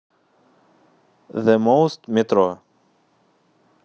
the most метро